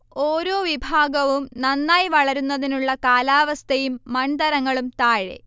ഓരോ വിഭാഗവും നന്നായി വളരുന്നതിനുള്ള കാലാവസ്ഥയും മൺതരങ്ങളും താഴെ